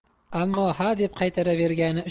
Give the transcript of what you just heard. ammo hadeb qaytaravergani